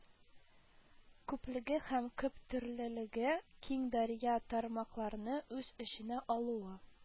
Күплеге һәм күптөрлелеге, киң дарья тармакларны үз эченә алуы